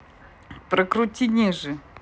прокрути ниже